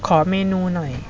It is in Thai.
ขอเมนูหน่อย